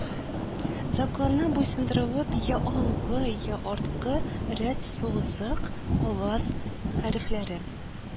Законына буйсындырылып, йә алгы, йә арткы рәт сузык аваз хәрефләре